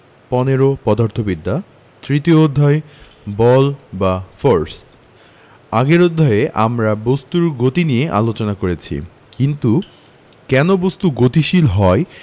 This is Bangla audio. ১৫ পদার্থবিদ্যা তৃতীয় অধ্যায় বল বা ফোরস আগের অধ্যায়ে আমরা বস্তুর গতি নিয়ে আলোচনা করেছি কিন্তু কেন বস্তু গতিশীল হয়